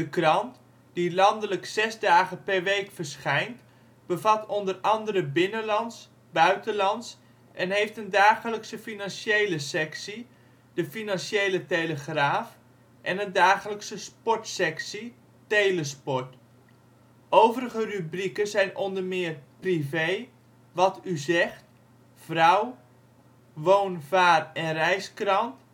krant, die landelijk zes dagen per week verschijnt, bevat onder andere binnenlands, buitenlands en heeft een dagelijkse financiële sectie: ' De Financiële Telegraaf ' en een dagelijkse sportsectie: " Telesport ". Overige rubrieken zijn onder meer: ' Privé ',' Wat U zegt ',' Vrouw ', Woon -, Vaar -, en Reiskrant